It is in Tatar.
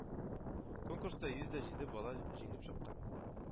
Конкурста йөз дә җиде бала җиңеп чыккан.